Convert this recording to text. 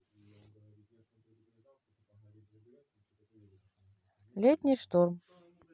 летний шторм